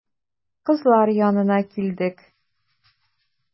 Кызлар янына килдек.